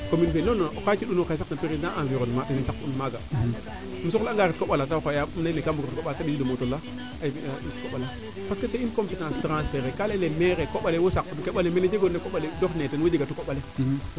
commune fee non non o qaya coox'un oxe saq na president environnement ten saq un maaga im soxla anga ret koɓala te xooyam im leyne kam bugo ret koɓala te mbisiid o moto laa parce que c' est une competence tranfere koɓale wo saqun koɓale jego koɓale doxne wo jegatu koɓale